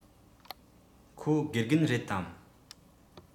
ཁོ དགེ རྒན རེད དམ